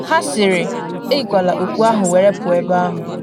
Ha sịrị, ‘eyikwala okpu ahụ were pụọ ebe ahụ.’